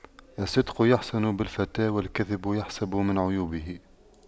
الصدق يحسن بالفتى والكذب يحسب من عيوبه